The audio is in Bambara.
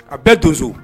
A bɛɛ to so